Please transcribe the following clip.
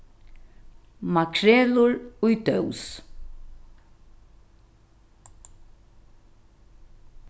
makrelur í dós